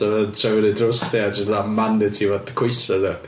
A ma'n troi fyny'n drws chdi a jyst fatha manatee efo coesau 'di o.